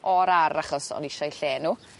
o'r ar' achos o'n i isio'u lle n'w